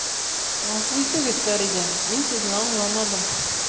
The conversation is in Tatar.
Гафу итегез, Фәридә, мин Сезне аңламадым.